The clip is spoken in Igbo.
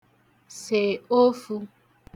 sè ofū